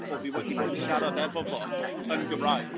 Bo' fi wedi bod yn siarad efo fo yn Gymraeg.